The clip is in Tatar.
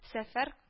Сәфәр